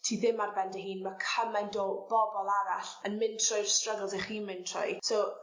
ti ddim ar ben dy hun ma' cymaint o bobol arall yn mynd trwy'r struggles 'ych chi'n mynd trwy so